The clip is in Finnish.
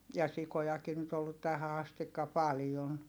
ja sikojakin nyt ollut tähän asti paljon